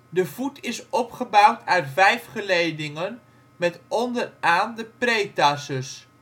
De voet is opgebouwd uit vijf geledingen, met onderaan de pretarsus. De pretarsus